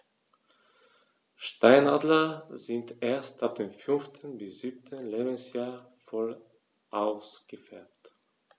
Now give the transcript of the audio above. Steinadler sind erst ab dem 5. bis 7. Lebensjahr voll ausgefärbt.